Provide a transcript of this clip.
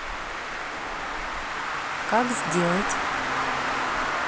как сделать